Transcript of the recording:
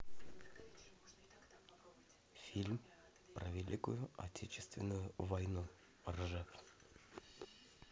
фильм про великую отечественную войну ржев